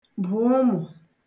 bụ̀ ụmù